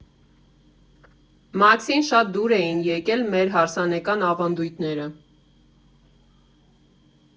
Մաքսին շատ դուր էին եկել մեր հարսանեկան ավանդույթները։